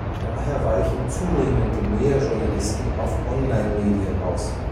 Daher weichen zunehmend mehr Journalisten auf Online-Medien aus